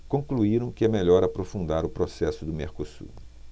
concluíram que é melhor aprofundar o processo do mercosul